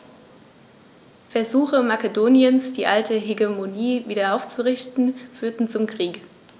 Versuche Makedoniens, die alte Hegemonie wieder aufzurichten, führten zum Krieg.